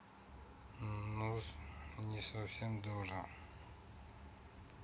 не совсем дура